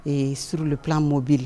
Ee sur le plan mobile